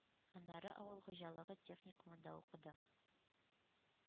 Аннары авыл хуҗалыгы техникумында укыды.